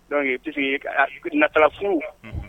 Dɔnku ti ye nata furu